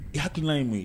Hadu' ye